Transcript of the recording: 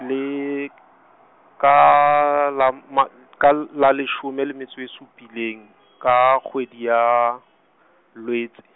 le kala m- ma kal- la leshome le metso e supileng, ka kgwedi ya, Lwetse.